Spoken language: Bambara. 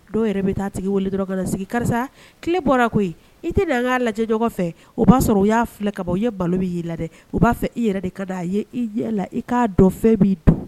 Dɔw yɛrɛ bɛ taa tigi wele dɔrɔn ka na sigi karisa tile bɔra koyi i tɛ na aŋa lajɛ ɲɔgɔn fɛ o b'a sɔrɔ u y'a filɛ kaban u ye malo min y'i la dɛ u b'a fɛ i yɛrɛ de kana a ye i ɲɛ la i kaa dɔn fɛ min don